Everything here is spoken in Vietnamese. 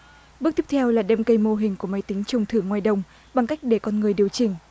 bước tiếp theo là đem cây mô hình của máy tính trồng thử ngoài đồng bằng cách để con người điều chỉnh